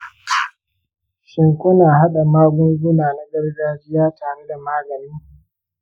shin, kuna haɗa magunguna na gargajiya tare da maganin ku?